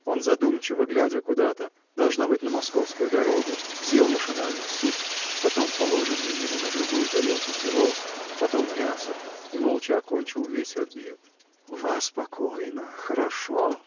Он, задумчиво глядя куда-то, должно быть на московскую дорогу, съел машинально суп, потом положенный ему на другую тарелку пирог, потом мясо и молча окончил весь обед. — У вас покойно, хорошо!